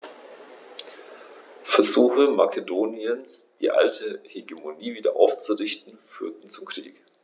Versuche Makedoniens, die alte Hegemonie wieder aufzurichten, führten zum Krieg.